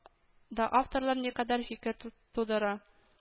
Да авторлар никадәр фикер тудыра